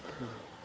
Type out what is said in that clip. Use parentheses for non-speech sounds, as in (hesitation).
(hesitation) (hesitation)